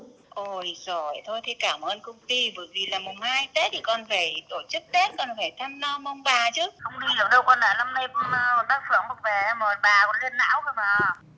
ôi dồi thôi thế cảm ơn công ty bởi vì là mùng hai tết thì con phải tổ chức tết con phải thăm nom ông bà chứ không đi được đâu con ạ năm nay bác phượng bác về đó mà bà lên não cơ mà